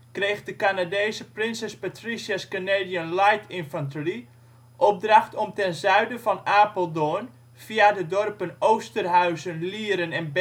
kreeg de Canadese Princess Patricia’ s Canadian Light Infantry (PPCLI) opdracht om ten zuiden van Apeldoorn via de dorpen Oosterhuizen, Lieren en